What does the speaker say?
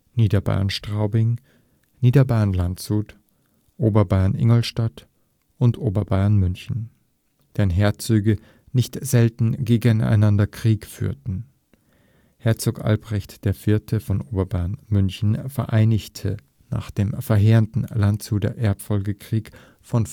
Niederbayern-Straubing, Niederbayern-Landshut, Oberbayern-Ingolstadt und Oberbayern-München, deren Herzöge nicht selten gegeneinander Krieg führten. Herzog Albrecht IV. von Oberbayern-München vereinigte nach dem verheerenden Landshuter Erbfolgekrieg von